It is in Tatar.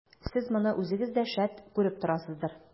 Сез моны үзегез дә, шәт, күреп торасыздыр.